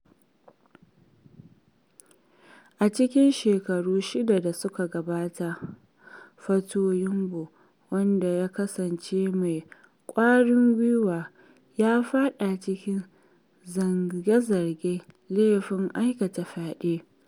A cikin shekaru shida da suka gabata, Fatoyinbo wanda ya kasance mai ƙwarin gwiwa ya faɗa cikin zarge-zargen laifin aikata fyaɗe.